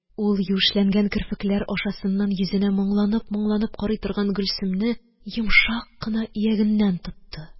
Ул юешләнгән керфекләр ашасыннан йөзенә моңланып-моңланып карый торган Гөлсемне йомшак кына иягеннән тотты.